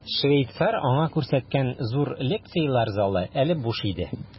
Швейцар аңа күрсәткән зур лекцияләр залы әле буш иде.